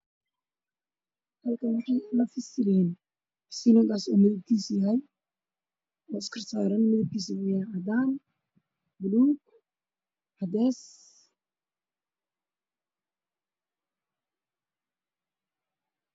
Meeshaan waxaa yaalo fasaliiin oo iskor saaran midabkiisu waa cadaan, buluug iyo cadeys.